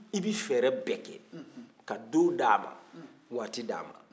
i bɛ fɛɛrɛ bɛɛ kɛ ka don d'a ma waati d'a ma